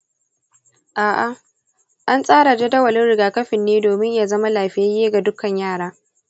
a'a, an tsara jadawalin rigakafin ne domin ya zama lafiyayye ga dukkan yara.